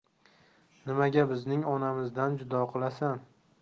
nimaga bizni onamizdan judo qilasan